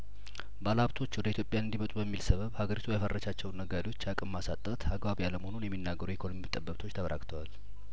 ባለሀብቶች ወደ ኢትዮጵያ እንዲመጡ በሚል ሰበብ ሀገሪቱ ያፈራቻቸውን ነጋዴዎች አቅም ማሳጣት አግባብ ያለመሆኑን የሚናገሩ የኢኮኖሚ ጠበብቶች ተበራክተዋል